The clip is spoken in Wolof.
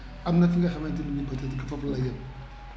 am na fi nga xamante ni peut être que foofu laay yem